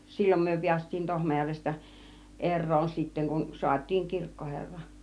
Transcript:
silloin me päästiin Tohmajärvestä eroon sitten kun saatiin kirkkoherra